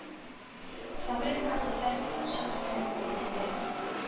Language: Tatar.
Фабрикага сәфәр тоткан шәкертләрнең күбесе